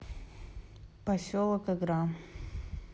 поселок игра